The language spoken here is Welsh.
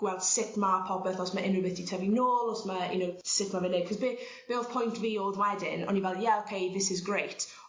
gweld sut ma' popeth os ma' unryw beth 'di tyfu nôl os ma' you know sut ma' fe'n neud 'c'os be' be' o'dd point fi o'dd wedyn o'n i fel ie ok this is great